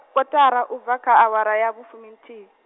kotara u bva kha awara ya vhufumithihi.